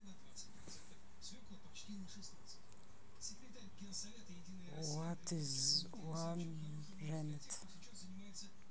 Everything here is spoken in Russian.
what is the one janet